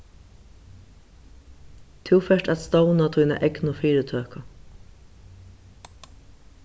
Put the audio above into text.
tú fert at stovna tína egnu fyritøku